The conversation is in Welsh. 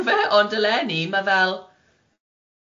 fe ond eleni ma' fel